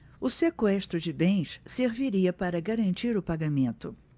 o sequestro de bens serviria para garantir o pagamento